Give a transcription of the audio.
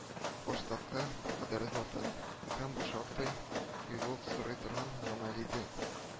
Форштадтка кадәр озата һәм бу шактый кыюлык сорый торган гамәл иде